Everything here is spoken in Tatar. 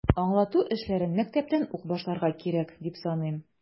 Аңлату эшләрен мәктәптән үк башларга кирәк, дип саныйм.